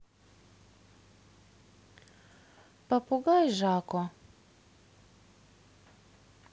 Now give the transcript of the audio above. попугай жако